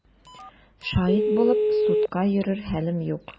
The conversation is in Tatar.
Шаһит булып судка йөрер хәлем юк!